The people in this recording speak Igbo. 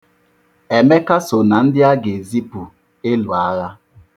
Emeka so na ndị a ga-ezipụ ịlụ agha.